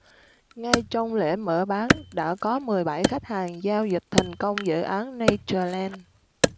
ngay trong lễ mở bán đã có mười bảy khách hàng giao dịch thành công dự án nature land